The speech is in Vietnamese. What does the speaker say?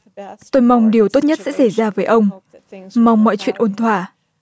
tôi mong điều tốt nhất sẽ xảy ra với ông mong mọi chuyện ổn thỏa